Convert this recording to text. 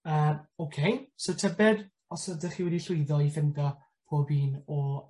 Yy oce, so tybed os ydych chi wedi llwyddo i ffindo pob un o